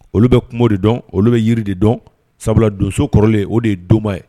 Olu bɛ kungo de dɔn olu bɛ yiri de dɔn sabula donso kɔrɔlen o de ye donbaya ye